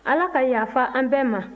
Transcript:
ala ka yafa an bɛɛ ma